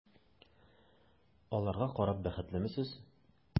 Аларга карап бәхетлеме сез?